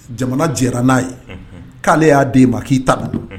Jamana jɛ n'a ye k'ale y'a den ma k'i ta don